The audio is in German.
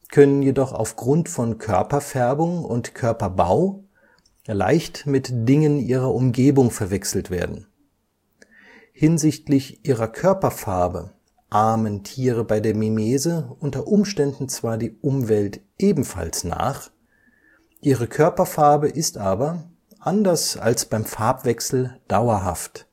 können jedoch aufgrund von Körperfärbung und Körperbau leicht mit Dingen ihrer Umgebung verwechselt werden. Hinsichtlich ihrer Körperfarbe ahmen Tiere bei der Mimese unter Umständen zwar die Umwelt ebenfalls nach, ihre Körperfarbe ist aber, anders als beim Farbwechsel, dauerhaft